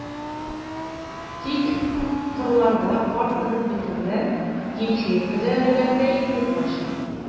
Тик кырларда кар эреп бетү белән, ячейка да эрегәндәй юкка чыга.